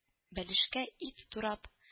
Бәлешкә ит турап